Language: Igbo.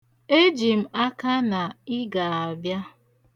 Eji m aka na ị ga-abịa.